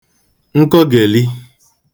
nkọgèli